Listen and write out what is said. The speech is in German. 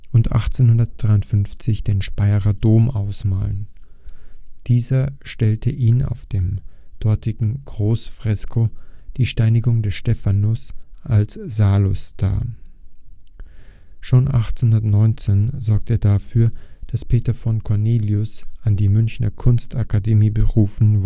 und 1853 den Speyerer Dom ausmalen. Dieser stellte ihn auf dem dortigen Großfresko Die Steinigung des Stephanus als Saulus dar. Schon 1819 sorgte er dafür, dass Peter von Cornelius an die Münchner Kunstakademie berufen